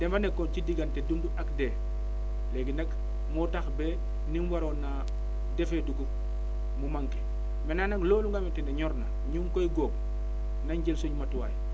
dafa nekkoon si diggante dund ak deeléegi nag moo tax ba ni mu waroon a defee dugub mu manqué maintenant nag loolu nga witti ne ñor na ñu ngi koy góob nañ jël suñ matuwaay